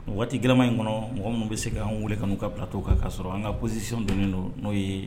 Ni waati gɛlɛma in kɔnɔ , mɔgɔ minnu bɛ se k'an weele ka n'u ka plateau kan k'a sɔrɔ an ka position donnen don n'o ye